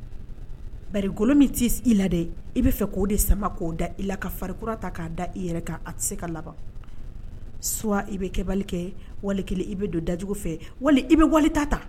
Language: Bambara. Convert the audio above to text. Bakolon min tɛ i la dɛ i bɛ fɛ k oo de sama k'o da i la ka fari kura ta k'a da i yɛrɛ tɛ se ka laban su i bɛ kɛ kɛ wali i bɛ don dajugu fɛ i bɛ wali ta ta